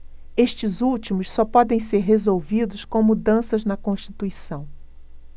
estes últimos só podem ser resolvidos com mudanças na constituição